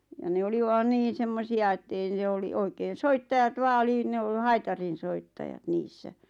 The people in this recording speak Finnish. ja ne oli vain niin semmoisia että ei ne oli oikein soittajat vain oli ne - haitarinsoittajat niissä